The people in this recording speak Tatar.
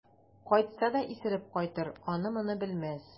Кайтса да исереп кайтыр, аны-моны белмәс.